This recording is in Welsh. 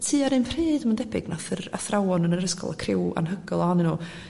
tua'r un pryd ma'n debyg nath yr athrawon yn yr ysgol y criw anhygol ohonyn nw